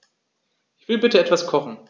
Ich will bitte etwas kochen.